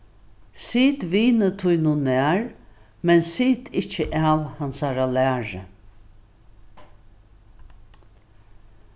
sit vini tínum nær men sit ikki av hansara læri